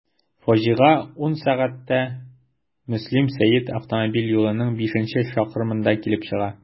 Фаҗига 10.00 сәгатьтә Мөслим–Сәет автомобиль юлының бишенче чакрымында килеп чыга.